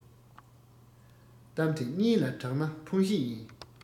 གཏམ དེ གཉིས ལ གྲགས ན ཕུང བྱེད ཡིན